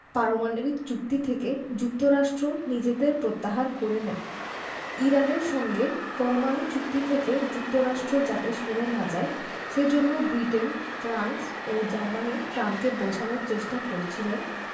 পারমাণবিক চুক্তি থেকে যুক্তরাষ্ট্র নিজেদের প্রত্যাহার করে নেন ইরানের সঙ্গে পরমাণু চুক্তি থেকে যুক্তরাষ্ট্র যাতে সরে না যায় সে জন্য ব্রিটেন ফ্রান্স ও জার্মানি ট্রাম্পকে বোঝানোর চেষ্টা করছিলেন